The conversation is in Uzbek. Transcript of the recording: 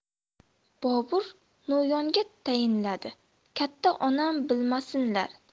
bobur no'yonga tayinladi katta onam bilmasinlar